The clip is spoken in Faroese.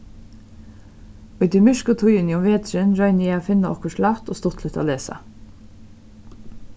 í tí myrku tíðini um veturin royni eg at finna okkurt lætt og stuttligt at lesa